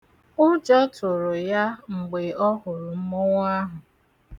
Ụjọ turu ya mgbe ọ hụrụ mmọnwụ ahụ.